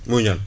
muy ñan